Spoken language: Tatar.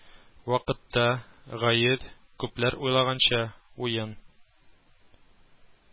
Вакытта, гает, күпләр уйлаганча, уен